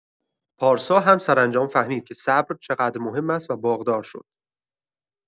پارسا هم سرانجام فهمید که صبر چقدر مهم است و باغدار شد.